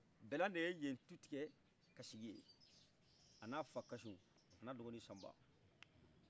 bɛlan de ye ye tutikɛ ka sigiye anna fa kasum ani dɔgɔni samba